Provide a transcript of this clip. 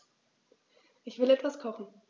Ich will etwas kochen.